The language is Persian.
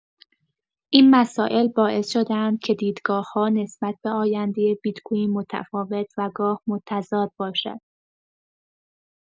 این مسائل باعث شده‌اند که دیدگاه‌ها نسبت به آینده بیت‌کوین متفاوت و گاه متضاد باشد.